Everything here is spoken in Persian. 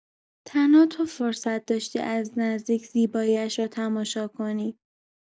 تنها تو فرصت داشتی از نزدیک زیبایی‌اش را تماشا کنی.